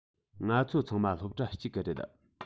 ང ཚོ ཚང མ སློབ གྲྭ གཅིག གི རེད